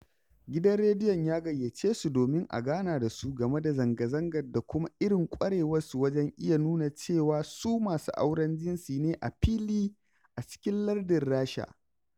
Gidan rediyon ya gayyace su domin a gana da su game da zanga-zangar da kuma irin ƙwarewarsu wajen iya nuna cewa su masu auren jinsi ne a fili a cikin lardin Rasha.